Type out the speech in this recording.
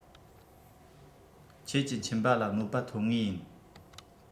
ཁྱེད ཀྱི མཆིན པ ལ གནོད པ ཐོབ ངེས ཡིན